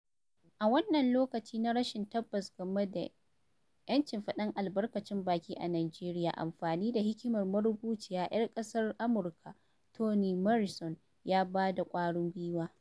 A wannan lokaci na rashin tabbas game da 'yancin faɗar albarkacin baki a Nijeriya, amfani da hikimar marubuciya 'yar ƙasar Amurka Toni Morrison ya ba da ƙwarin gwiwa.